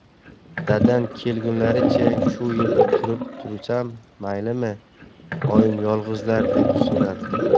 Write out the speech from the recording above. dadam kelgunlaricha shu yerda turib tursam maylimi oyim yolg'izlar deb so'radi